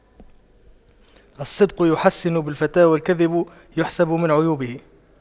الصدق يحسن بالفتى والكذب يحسب من عيوبه